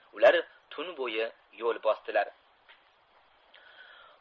ular tun bo'yi yo'l bosdilar